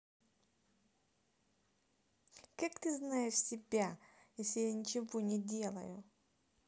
как ты знаешь себе если я ничего не делаю